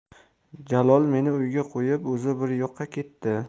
jalol meni uyga qo'yib o'zi bir yoqqa ketdi